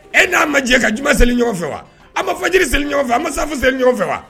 E n'aan ma jɛ ka j seli ɲɔgɔn fɛ wa an ma faj seli ɲɔgɔn fɛ an ma sa seli ɲɔgɔn fɛ wa